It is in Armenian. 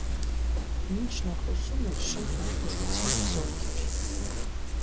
Մինչ նա խոսում էր, շենք ներխուժեցին զորքեր։